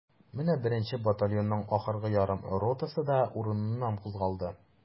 Менә беренче батальонның ахыргы ярым ротасы да урыныннан кузгалды.